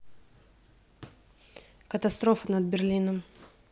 катастрофа над берлином